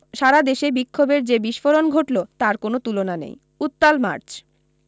সারাদেশে বিক্ষোভের যে বিস্ফোরণ ঘটল তার কোনো তুলনা নেই উত্তাল মার্চ